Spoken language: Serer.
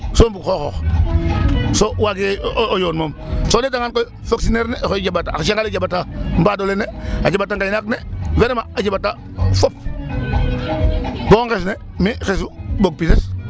So mbug xooxoox so waagee o yoon moom so o ɗetangaan koy fonctionnaire oxey jaɓata oxey jaɓata mbaadoole ne a jaɓata ngaynaak ne vraiment a jaɓata fop bo nges ne mi' xesu mbog pises .